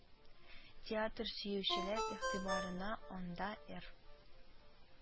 Театр сөючеләр игътибарына анда эР